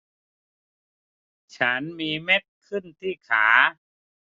ฉันมีเม็ดขึ้นที่ขา